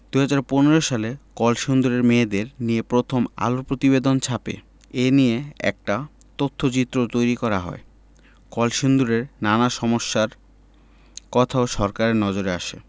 ২০১৫ সালে কলসিন্দুরের মেয়েদের নিয়ে প্রথম আলো প্রতিবেদন ছাপে এ নিয়ে একটি তথ্যচিত্রও তৈরি করা হয় কলসিন্দুরের নানা সমস্যার কথাও সরকারের নজরে আসে